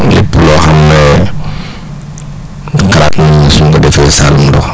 lépp loo xam ne xalaat nañ ne su ñu ko defee Saloum dox